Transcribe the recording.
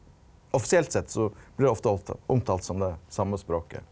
offisielt sett så blir det ofte omtalt som det same språket.